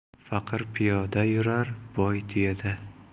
faqir piyoda yurar boy tuyada